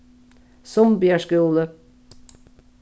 sumbiar skúli